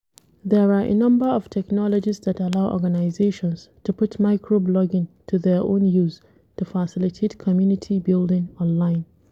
There are a number of technologies that allow organizations to put micro-blogging to their own use to facilitate community building online.